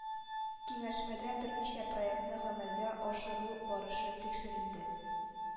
Киңәшмәдә берничә проектны гамәлгә ашыру барышы тикшерелде